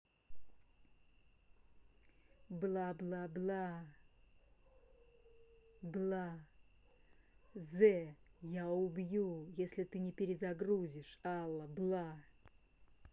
бла бла бла бла the я убью если ты не перезагрузишь алла бла